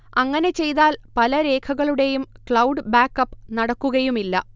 അങ്ങനെ ചെയ്താൽ പല രേഖകളുടെയും ക്ലൗഡ് ബാക്ക്അപ്പ് നടക്കുകയുമില്ല